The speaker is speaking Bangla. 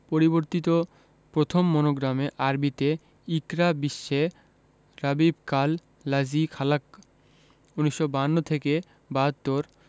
পরিবর্তিত প্রথম মনোগ্রামে আরবিতে ইকরা বিস্মে রাবিবকাল লাজি খালাক্ক ১৯৫২ ৭২